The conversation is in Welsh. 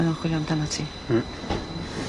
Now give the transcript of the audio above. mae o'n chwilio amdanat ti. Hmm.